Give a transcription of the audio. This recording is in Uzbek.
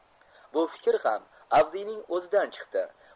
bu fikr ham avdiyning o'zidan chiqdi